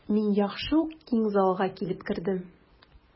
Мин яхшы ук киң залга килеп кердем.